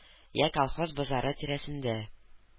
Йә колхоз базары тирәсендә